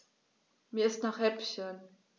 Mir ist nach Häppchen.